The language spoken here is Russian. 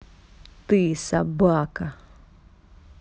ты собака